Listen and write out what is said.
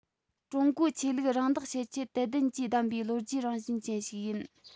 ཀྲུང གོའི ཆོས ལུགས རང བདག བྱེད ཆེད དད ལྡན གྱིས བདམས པའི ལོ རྒྱུས རང བཞིན ཅན ཞིག ཡིན